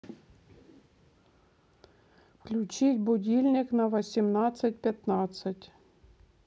включить будильник на восемнадцать пятнадцать